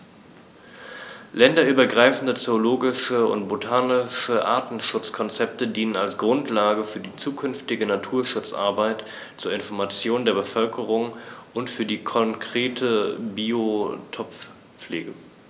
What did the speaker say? Länderübergreifende zoologische und botanische Artenschutzkonzepte dienen als Grundlage für die zukünftige Naturschutzarbeit, zur Information der Bevölkerung und für die konkrete Biotoppflege.